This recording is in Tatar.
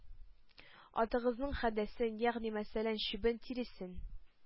Атыгызның хәдәсен, ягъни мәсәлән, чүбен, тиресен.